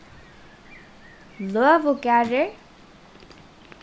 løðugarður